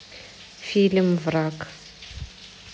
фильм враг